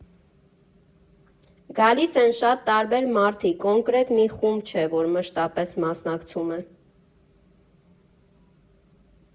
Գալիս են շատ տարբեր մարդիկ, կոնկրետ մի խումբ չէ, որ մշտապես մասնակցում է։